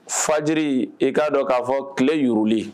Faji i k'a dɔn k'a fɔ tile yuruguli